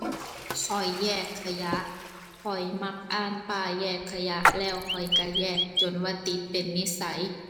ข้อยแยกขยะ ข้อยมักอ่านป้ายแยกขยะ แล้วข้อยก็แยกจนว่าติดเป็นนิสัย